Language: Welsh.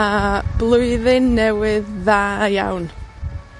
A Blwyddyn Newydd Dda iawn.